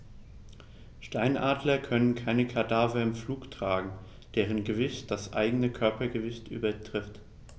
Steinadler können keine Kadaver im Flug tragen, deren Gewicht das eigene Körpergewicht übertrifft.